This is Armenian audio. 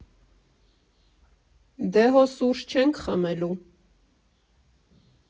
Դե հո սուրճ չենք խմելու։